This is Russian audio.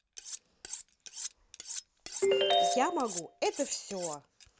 я могу это все